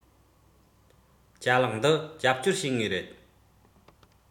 ཅ ལག འདི རྒྱབ སྐྱོར བྱེད ངེས རེད